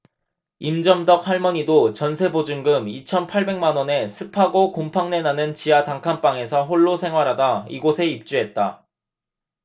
임점덕 할머니도 전세 보증금 이천 팔백 만원의 습하고 곰팡내 나는 지하 단칸방에서 홀로 생활하다 이곳에 입주했다